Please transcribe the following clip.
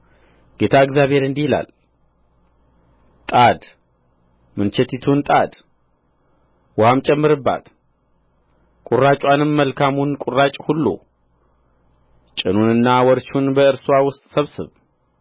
ጌታ እግዚአብሔር እንዲህ ይላል ጣድ ምንቸቲቱን ጣድ ውኃም ጨምርባት ቍራጭዋንም መልካሙን ቍራጭ ሁሉ ጭኑንና ወርቹን በእርስዋ ውስጥ ሰብስብ